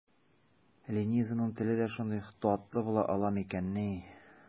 Ленизаның теле дә шундый татлы була ала микәнни?